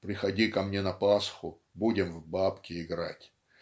Приходи ко мне на Пасху, будем в бабки играть".